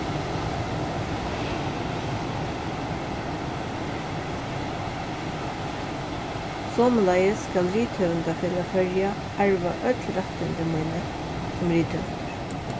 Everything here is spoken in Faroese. somuleiðis skal rithøvundafelag føroya arva øll rættindi míni sum rithøvundur